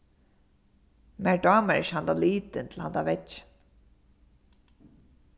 mær dámar ikki handan litin til handan veggin